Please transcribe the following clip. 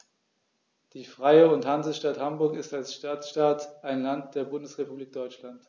Die Freie und Hansestadt Hamburg ist als Stadtstaat ein Land der Bundesrepublik Deutschland.